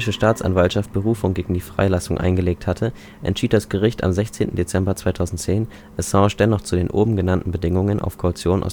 Staatsanwaltschaft Berufung gegen die Freilassung eingelegt hatte, entschied das Gericht am 16. Dezember 2010, Assange dennoch zu den oben genannten Bedingungen auf Kaution